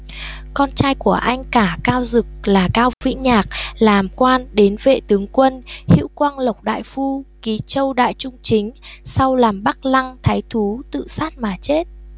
con trai của anh cả cao dực là cao vĩnh nhạc làm quan đến vệ tướng quân hữu quang lộc đại phu ký châu đại trung chính sau làm bác lăng thái thú tự sát mà chết